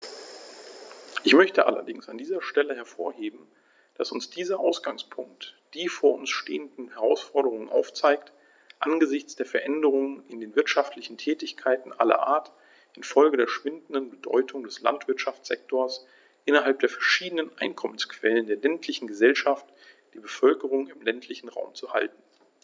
Ich möchte allerdings an dieser Stelle hervorheben, dass uns dieser Ausgangspunkt die vor uns stehenden Herausforderungen aufzeigt: angesichts der Veränderungen in den wirtschaftlichen Tätigkeiten aller Art infolge der schwindenden Bedeutung des Landwirtschaftssektors innerhalb der verschiedenen Einkommensquellen der ländlichen Gesellschaft die Bevölkerung im ländlichen Raum zu halten.